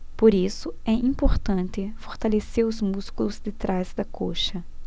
por isso é importante fortalecer os músculos de trás da coxa